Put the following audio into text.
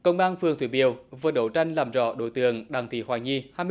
công an phường thủy biều vừa đấu tranh làm rõ đối tượng đặng thị hoài nhi hai